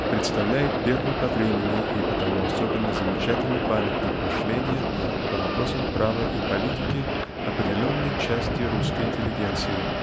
представляет первый по времени и потому особенно замечательный памятник мышления по вопросам права и политики определенной части русской интеллигенции